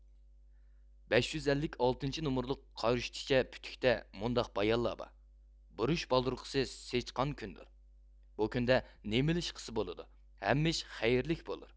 بەش يۈز ئەللىك ئالتىنچى نومۇرلۇق قارۇشتىچە پۈتۈكتە مۇنداق بايانلار بار بۇرۇچ بالدۇرقىسى سىچقان كۈنىدۇر بۇ كۈندە نېمىلا ئىش قىلسا بولىدۇ ھەممە ئىش خەيرلىك بولۇر